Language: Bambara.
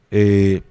Ee